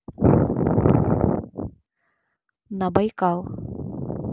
на байкал